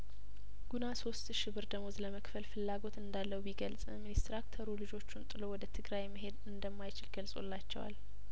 ጉና ሶስት ሺ ብር ደሞዝ ለመክፈል ፍላጐት እንዳለው ቢገልጽም ኢንስትራክተሩ ልጆቹን ጥሎ ወደ ትግራይመሄድ እንደማይችል ገልጾላቸዋል